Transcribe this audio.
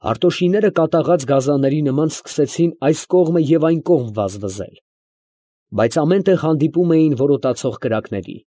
Հարտոշիները կատաղած գազանների նման սկսեցին այս կողմը և այն կողմ վազվզել. բայց ամեն տեղ հանդիպում էին որոտացող կրակների։